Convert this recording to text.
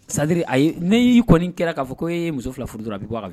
Sadiri ayi ne y'i kɔni nin kɛra k'a fɔ ko e ye muso fila furu dɔrɔn a bi bɔ fɛ